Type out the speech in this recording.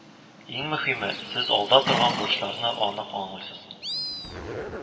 Иң мөһиме, сез алда торган бурычларны анык аңлыйсыз